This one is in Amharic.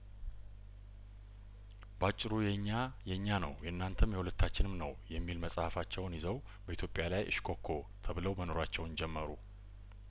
ባጭሩ የኛ የኛ ነው የእናንተ የሁለታችንም ነው የሚል መጽሀፋቸውን ይዘው በኢትዮጵያ ላይ እሽኮኮ ተብለው መኖራቸውን ጀመሩ